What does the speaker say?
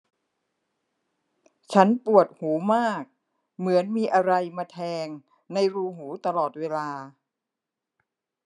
ฉันปวดหูมากเหมือนมีอะไรมาแทงในรูหูตลอดเวลา